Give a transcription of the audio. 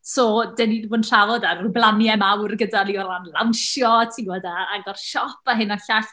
So dan ni 'di bod yn trafod, a ryw blaniau mawr gyda ni o ran lansio, ti'n gwybod, a agor siop a hyn a llall.